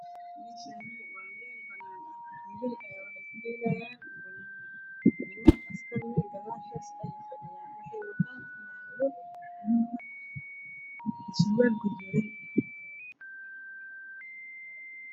Me Shani wa meel banan ah miilal aya wa xey ku dhelayaan ba Noni niman askar eh ga da shas ayey fa dhi Yan waxey wa tan funaanado bulug ah surwaal gududan